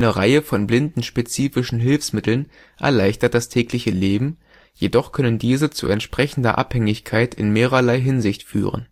Reihe von blindenspezifischen Hilfsmitteln erleichtert das tägliche Leben, jedoch können diese zu entsprechender Abhängigkeit in mehrerlei Hinsicht führen